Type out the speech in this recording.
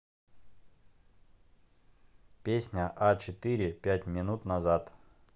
песня а четыре пять минут назад